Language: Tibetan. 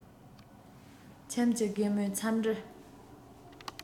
ཁྱིམ གྱི རྒན མོས འཚམས འདྲིའི